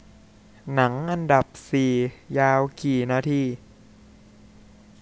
หนังอันดับสี่ยาวกี่นาที